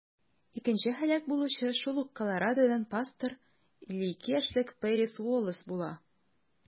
Икенче һәлак булучы шул ук Колорадодан пастор - 52 яшьлек Пэрис Уоллэс була.